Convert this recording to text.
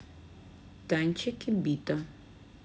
танчики бита